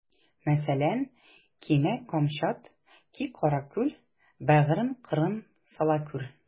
Мәсәлән: Кимә камчат, ки каракүл, бәгърем, кырын сала күр.